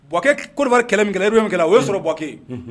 Kɛ koloba kɛlɛ kɛ min kɛ o y'o sɔrɔ bukɛ